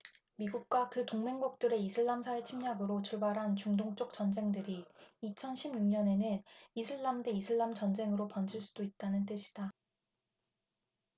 미국과 그 동맹국들의 이슬람사회 침략으로 출발한 중동 쪽 전쟁들이 이천 십 육 년에는 이슬람 대 이슬람 전쟁으로 번질 수도 있다는 뜻이다